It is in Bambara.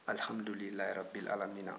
alihamudu lilayi arabili ala miina